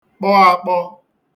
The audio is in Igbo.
kpọ akpọ̄